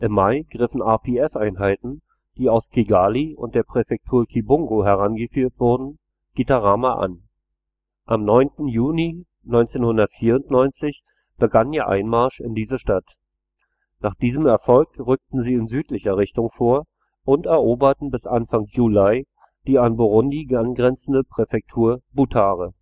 Mai griffen RPF-Einheiten, die aus Kigali und der Präfektur Kibungo herangeführt wurden, Gitarama an. Am 9. Juni 1994 begann ihr Einmarsch in diese Stadt. Nach diesem Erfolg rückten sie in südlicher Richtung vor und eroberten bis Anfang Juli die an Burundi angrenzende Präfektur Butare